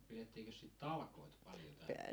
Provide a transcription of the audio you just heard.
pidettiinkös sitä talkoita paljon täällä